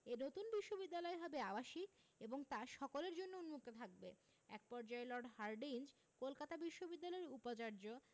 এ নতুন বিশ্ববিদ্যালয় হবে আবাসিক এবং তা সকলের জন্য উন্মুক্ত থাকবে এক পর্যায়ে লর্ড হার্ডিঞ্জ কলকাতা বিশ্ববিদ্যালয়ের উপাচার্য